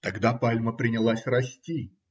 Тогда пальма принялась расти.